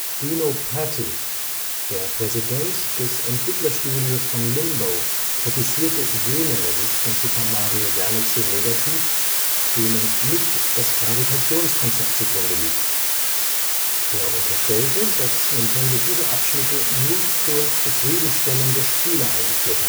Dino Patti, der Präsident des Entwicklerstudios von Limbo (PS3, Xbox 360 etc., 2010), kritisierte jene Levels von Super Mario Galaxy negativ, denen nicht das Gravitationskonzept zugrunde liegt. Er unterstellte, dass Nintendo diese Abschnitte nur zur Zufriedenstellung der Spieler eingefügt